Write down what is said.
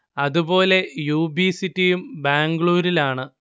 അതു പോലെ U B സിറ്റിയും ബാംഗ്ലൂരിലാണ്